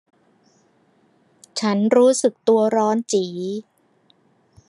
ฉันรู้สึกตัวร้อนจี๋